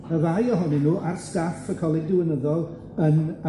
y ddau ohonyn nw, a'r staff y Coleg Diwinyddol yn